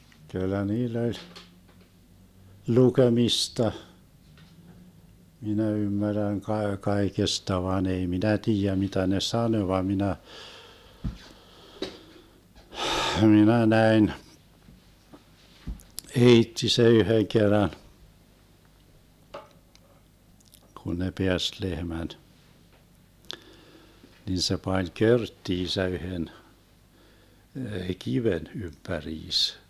kyllä niillä oli lukemista minä ymmärrän - kaikesta vaan ei minä tiedä mitä ne sanoi vaan minä minä näin äiti se yhden kerran kun ne päästi lehmät niin se pani körttinsä yhden kiven ympäriinsä